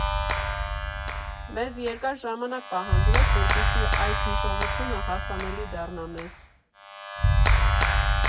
Մեզ երկար ժամանակ պահանջվեց, որպեսզի այդ հիշողությունը հասանելի դառնա մեզ։